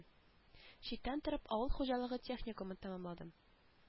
Читтән торып авыл хужалыгы техникумын тәмамладым